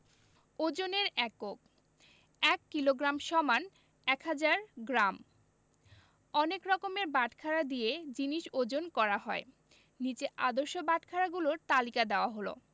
ওজনের এককঃ ১ kilogram = ১০০০ gram অনেক রকমের বাটখারা দিয়ে জিনিস ওজন করা হয় নিচে আদর্শ বাটখারাগুলোর তালিকা দেয়া হলঃ